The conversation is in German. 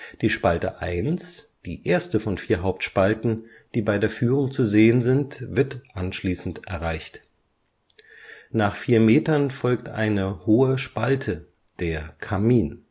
Die Spalte 1, die erste von vier Hauptspalten, die bei der Führung zu sehen sind, wird anschließend erreicht. Nach vier Metern folgt eine hohe Spalte, der Kamin